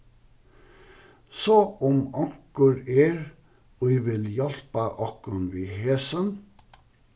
so um onkur er ið vil hjálpa okkum við hesum